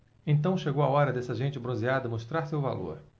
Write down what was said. então chegou a hora desta gente bronzeada mostrar seu valor